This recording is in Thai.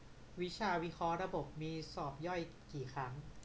วิชาวิเคราะห์ระบบมีสอบย่อยกี่ครั้ง